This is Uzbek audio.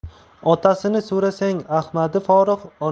otasini so'rasang ahmadi forig'